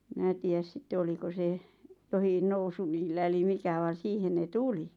minä tiedä sitten oliko se jokin nousu niillä eli mikä vaan siihen ne tuli